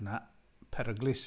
Na. Peryglus.